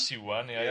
Siwan, ia ia.